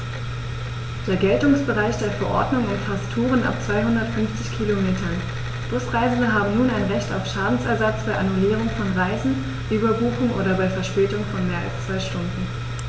Der Geltungsbereich der Verordnung umfasst Touren ab 250 Kilometern, Busreisende haben nun ein Recht auf Schadensersatz bei Annullierung von Reisen, Überbuchung oder bei Verspätung von mehr als zwei Stunden.